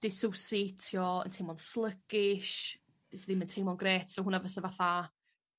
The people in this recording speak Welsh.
disosiato, yn teimlo'n sluggish jys ddim yn teimlo'n grêt so hwnna fysa fatha